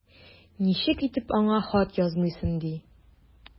Ничек итеп аңа хат язмыйсың ди!